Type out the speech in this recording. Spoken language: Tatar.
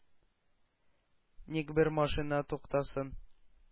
– ник бер машина туктасын.